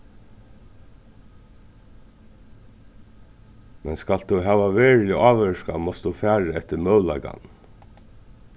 men skalt tú hava veruliga ávirkan mást tú fara eftir møguleikanum